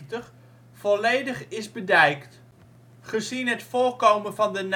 volledig is bedijkt. Gezien het voorkomen van de